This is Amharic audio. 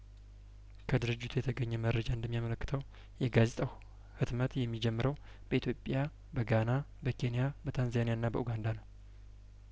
ከድርጅቱ የተገኘ መረጃ እንደሚያመለክተው የጋዜጣው ህትመት የሚጀምረው በኢትዮጵያ በጋና በኬንያ በታንዛኒያና በኡጋንዳ ነው